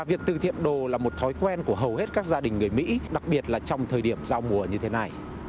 viện tự thiện đồ là một thói quen của hầu hết các gia đình người mỹ đặc biệt là trong thời điểm giao mùa như thế này